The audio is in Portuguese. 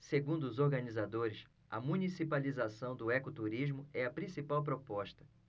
segundo os organizadores a municipalização do ecoturismo é a principal proposta